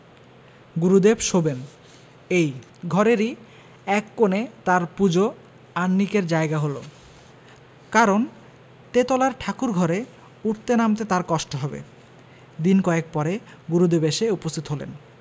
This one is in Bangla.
গুরুদেব শোবেন এই ঘরেরই এক কোণে তাঁর পূজো আহ্নিকের জায়গা হলো কারণ তেতলার ঠাকুরঘরে উঠতে নামতে তাঁর কষ্ট হবে দিন কয়েক পরে গুরুদেব এসে উপস্থিত হলেন